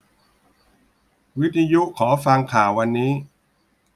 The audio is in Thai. วิทยุขอฟังข่าววันนี้